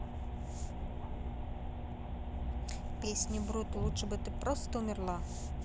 песня брутто лучше бы ты просто умерла